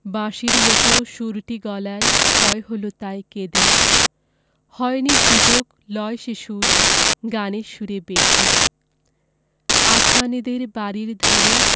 বাঁশির মতো সুরটি গলায় ক্ষয় হল তাই কেঁদে হয়নি সুযোগ লয় সে সুর গানের সুরে বেঁধে আসমানীদের বাড়ির ধারে